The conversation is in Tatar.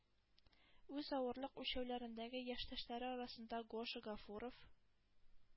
Үз авырлык үлчәүләрендәге яшьтәшләре арасында Гоша Гафуров,